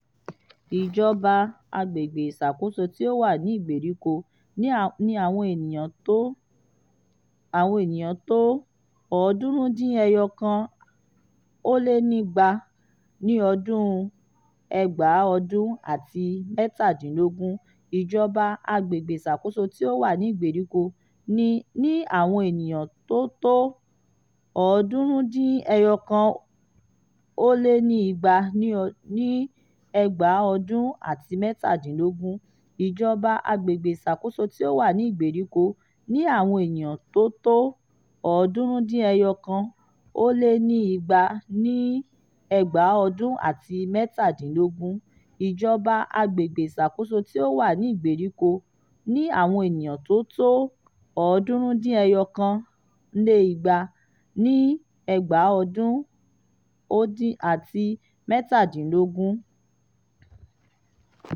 Ìjọba, agbègbè ìṣàkóso tí ó wà ní ìgberíko, ni àwọn ènìyàn tó 299,200 ní ọdún 2017.